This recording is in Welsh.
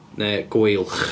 Neu gweilch.